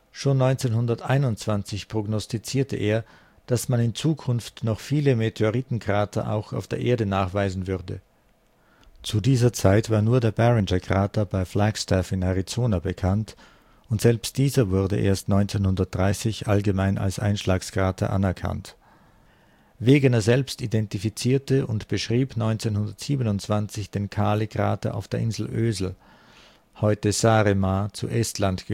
Schon 1921 prognostizierte er, dass man in Zukunft noch viele Meteoritenkrater auch auf der Erde nachweisen würde. Zu dieser Zeit war nur der Barringer-Krater bei Flagstaff (Arizona) bekannt, und selbst dieser wurde erst 1930 allgemein als Einschlagskrater anerkannt. Wegener selbst identifizierte und beschrieb 1927 den Kaali-Krater auf der Insel Ösel (heute Saaremaa, Estland